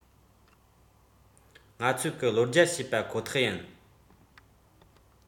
ང ཚོས གི བློ རྒྱ ཕྱེས པ ཁོ ཐག ཡིན